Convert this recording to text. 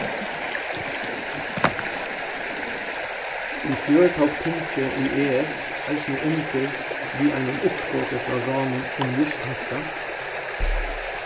í fjør tók tingið í es eisini undir við einum uppskoti frá ráðnum um júst hetta